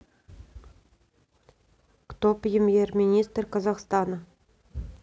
кто премьер министр казахстана